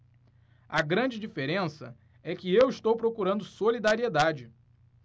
a grande diferença é que eu estou procurando solidariedade